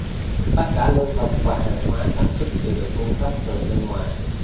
tất cả lương thực và hàng hóa sản xuất đều được cung cấp từ bên ngoài